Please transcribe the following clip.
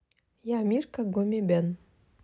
я мишка гумми бен